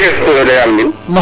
*